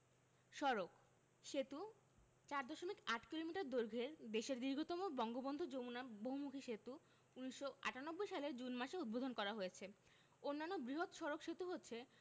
সড়কঃ সেতু ৪দশমিক ৮ কিলোমিটার দৈর্ঘ্যের দেশের দীর্ঘতম বঙ্গবন্ধু যমুনা বহুমুখী সেতু ১৯৯৮ সালের জুন মাসে উদ্বোধন করা হয়েছে অন্যান্য বৃহৎ সড়ক সেতু হচ্ছে